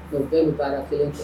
Numukɛ bɛɛ in baara tɛ